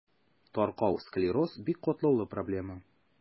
Таркау склероз – бик катлаулы проблема.